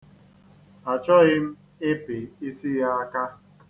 Achọghị m ịpị isi ya aka.